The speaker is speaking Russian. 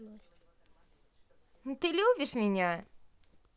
ты любишь меня